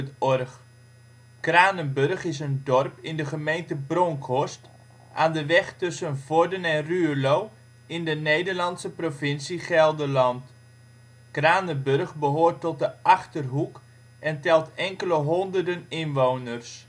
OL Kranenburg Plaats in Nederland Situering Provincie Gelderland Gemeente Bronckhorst Coördinaten 52° 6′ NB, 6° 22′ OL Portaal Nederland Het Franciscanenklooster en de kerk van Pierre Cuypers in Kranenburg Kranenburg is een dorp in de gemeente Bronckhorst aan de weg tussen Vorden en Ruurlo in de Nederlandse provincie Gelderland. Kranenburg behoort tot de Achterhoek en telt enkele honderden inwoners